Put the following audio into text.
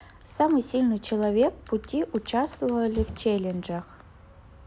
самый сильный человек пути участвовали в челленджах